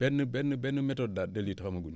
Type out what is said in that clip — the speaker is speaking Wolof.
benn benn benn méthode daa de lutte amaguñu ko